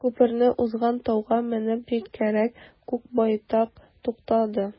Күперне узгач, тауга менеп җитәрәк, күк байтал туктады.